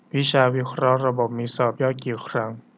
วิชาวิเคราะห์ระบบมีสอบย่อยกี่ครั้ง